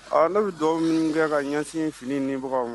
Ne bɛ dɔw minnu kɛ ka ɲɛsin in fini nibagaw ma